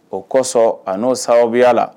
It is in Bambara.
O kɔsɔn a n'o sababubiya la